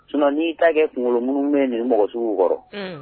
S'i' kunkolo minnu bɛ nin mɔgɔ sugu kɔrɔ